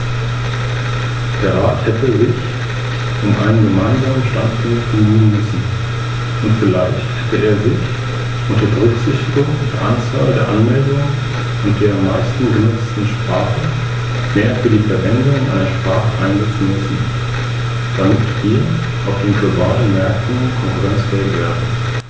Frau Präsidentin, ich befürworte den größten Teil der Änderungen, die in diesem Text vorgeschlagen werden, der im Grunde sowieso nur darin besteht, bisherige Vorschriften über die Höchstwerte an Radioaktivität in Nahrungsmitteln und Futtermitteln zu kodifizieren.